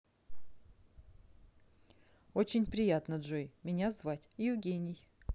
очень приятно джой меня звать евгений